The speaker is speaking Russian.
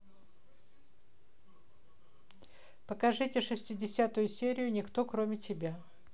покажите шестидесятую серию никто кроме тебя